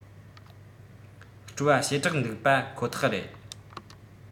སྤྲོ བ ཞེ དྲག འདུག པ ཁོ ཐག རེད